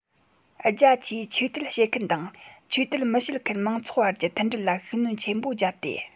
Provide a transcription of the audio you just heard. རྒྱ ཆེའི ཆོས དད བྱེད མཁན དང ཆོས དད མི བྱེད མཁན མང ཚོགས བར གྱི མཐུན སྒྲིལ ལ ཤུགས སྣོན ཆེན པོ བརྒྱབ སྟེ